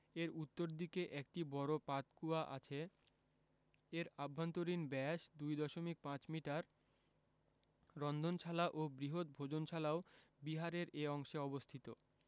এর উত্তর দিকে একটি বড় পাতকূয়া আছে এর অভ্যন্তরীণ ব্যাস ২ দশমিক ৫ মিটার রন্ধনশালা ও বৃহৎ ভোজনশালাও বিহারের এ অংশে অবস্থিত